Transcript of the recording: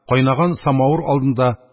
Кайнаган самавыр алдында